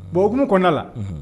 Bonkkun kɔnɔna la